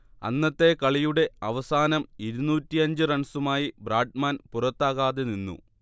അന്നത്തെ കളിയുടെ അവസാനം ഇരുന്നൂറ്റിയഞ്ച് റൺസുമായി ബ്രാഡ്മാൻ പുറത്താകാതെ നിന്നു